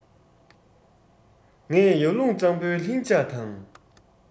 ངས ཡར ཀླུང གཙང པོའི ལྷིང འཇགས དང